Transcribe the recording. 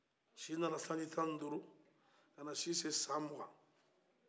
a si nana sanji tan ani duuru ka na si se san mugan